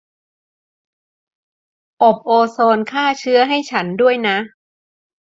อบโอโซนฆ่าเชื้อให้ฉันด้วยนะ